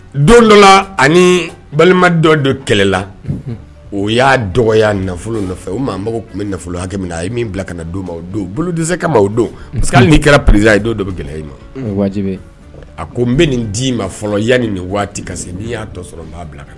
Don dɔ la ani balima dɔ don kɛlɛla o y'a dɔgɔya nafolo nɔfɛ o maa mago tun bɛ nafolo hakɛ min na a ye min bila ka don ma o don bolo dese ka ma o don parce que n'i kɛra pzsa i don don gɛlɛya i ma a ko n bɛ nin di'i ma fɔlɔ yani nin waati kasi n'i y'a tɔ sɔrɔ n'a bila